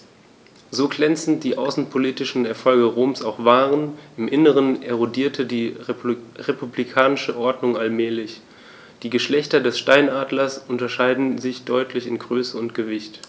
So glänzend die außenpolitischen Erfolge Roms auch waren: Im Inneren erodierte die republikanische Ordnung allmählich. Die Geschlechter des Steinadlers unterscheiden sich deutlich in Größe und Gewicht.